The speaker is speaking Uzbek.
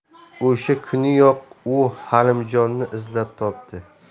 o'sha kuniyoq u halimjonni izlab topdi